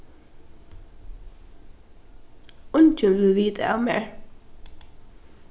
eingin vil vita av mær